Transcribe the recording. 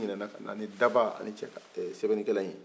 a ŋinɛna kana ni daba ani sɛbɛnikɛlan ye